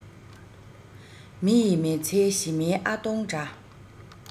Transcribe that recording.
མི ཡིས མི ཚེ ཞི མིའི ཨ སྟོང འདྲ